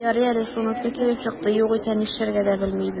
Ярый әле шунысы килеп чыкты, югыйсә, нишләргә дә белми идем...